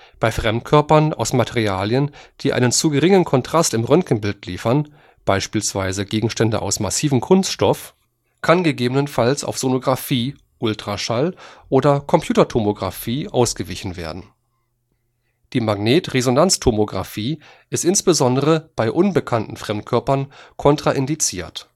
Bei Fremdkörpern aus Materialien, die einen zu geringen Kontrast im Röntgenbild liefern (beispielsweise Gegenstände aus massivem Kunststoff), kann gegebenenfalls auf Sonografie (Ultraschall) oder Computertomographie ausgewichen werden. Die Magnetresonanztomographie ist insbesondere bei unbekannten Fremdkörpern kontraindiziert